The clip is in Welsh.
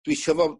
dwi isio fo